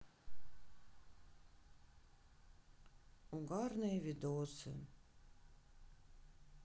угарные видосы